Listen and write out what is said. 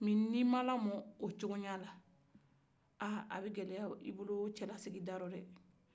ni ma la mara o cogoya la a bɛ kɛlɛ ya i bolo o cɛla sigi yɔrɔ la dɛ